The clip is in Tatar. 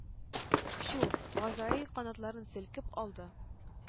Чү! Газраил канатларын селкеп алды,